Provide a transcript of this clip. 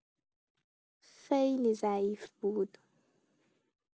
خیلی ضعیف بود.